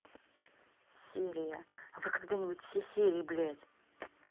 серия а вы когда нибудь все серии блядь